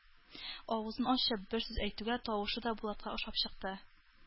Авызын ачып бер сүз әйтүгә тавышы да Булатка ошап чыкты.